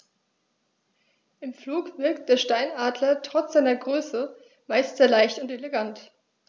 Im Flug wirkt der Steinadler trotz seiner Größe meist sehr leicht und elegant.